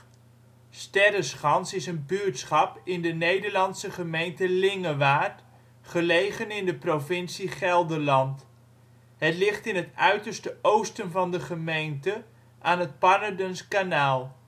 Sterreschans is een buurtschap in de Nederlandse gemeente Lingewaard, gelegen in de provincie Gelderland. Het ligt in het uiterste oosten van de gemeente aan het Pannerdensch Kanaal